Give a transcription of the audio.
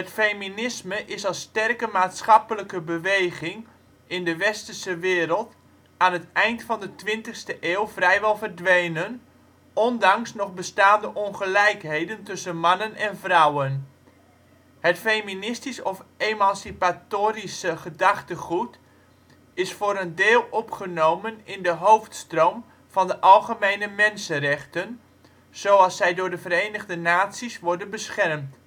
feminisme is als sterke maatschappelijke beweging in de westerse wereld aan het eind van de twintigste eeuw vrijwel verdwenen, ondanks nog bestaande ongelijkheden tussen mannen en vrouwen. Het feministisch of emancipatorische gedachtegoed is voor een deel opgenomen in de hoofdstroom van de algemene mensenrechten, zoals zij door de Verenigde Naties worden beschermd